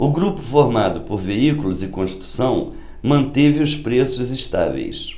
o grupo formado por veículos e construção manteve os preços estáveis